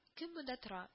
Кем монда тора